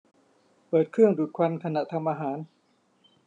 เปิดเครื่องดูดควันขณะทำอาหาร